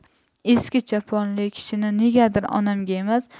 eski choponli kishi negadir onamga emas